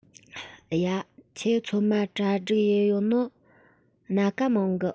ཡ ཁྱོས ཚོད མ གྲ སྒྲིག ཡས ཡོད ནོ སྣ ཁ མང གི